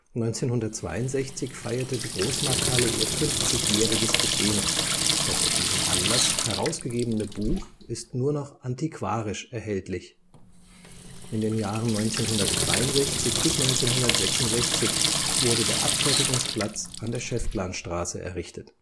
1962 feierte die Großmarkthalle ihr 50-jähriges Bestehen, das aus diesem Anlass herausgegebene Buch ist nur noch antiquarisch erhältlich. In den Jahren 1963 bis 1966 wurde der Abfertigungsplatz an der Schäftlarnstraße errichtet